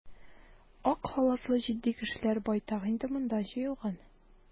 Ак халатлы җитди кешеләр байтак инде монда җыелган.